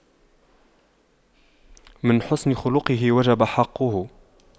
من حسن خُلقُه وجب حقُّه